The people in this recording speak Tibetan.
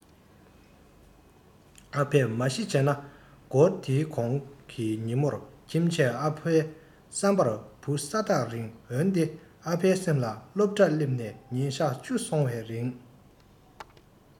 ད ཐེངས ཨ ཕ དགྲ འདུལ ཡང དེ ན ཨ ཕ དགྲ འདུལ ཁོ རང ཉིད ཀྱི རྟག པར བརྙན འཕྲིན ད ཐེངས ཚེ རིང སྔར དང འདྲ ཞིང ཞིང གནམ བདེ སྒོ མོའི ཐང ཆེན དེ རུ ཁོ ཡི འདྲ པར དེ སྔོན ལ རང གི སྐད འཕྲིན ནང གི གྲོགས ཚོམ ལ གཅིག བསྐུར བ ཨ ཁུས ཨ ཕར སྟོན